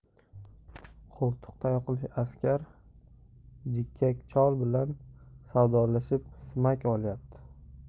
qo'ltiqtayoqli askar jikkak chol bilan savdolashib sumak olyapti